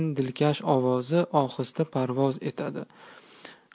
dilkash ovozi ohista parvoz etadi